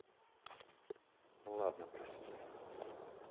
ну ладно прости